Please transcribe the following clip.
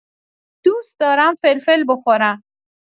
دوست دارم فلفل بخورم.